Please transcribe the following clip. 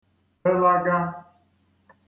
felaga